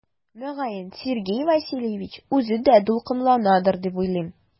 Мөгаен Сергей Васильевич үзе дә дулкынланадыр дип уйлыйм.